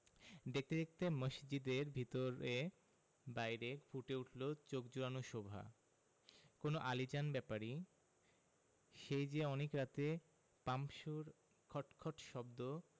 দেখতে দেখতে মসজিদের ভেতরে বাইরে ফুটে উঠলো চোখ জুড়োনো শোভা কোন আলীজান ব্যাপারী সেই যে অনেক রাতে পাম্পসুর খট খট শব্দ